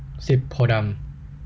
สิบโพธิ์ดำ